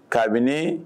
Kabini